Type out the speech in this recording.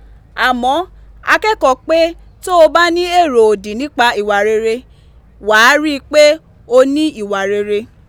Àmọ́, a kẹ́kọ̀ọ́ pé tó o bá ní èrò òdì nípa ìwà rere, wàá rí i pé o ní ìwà rere.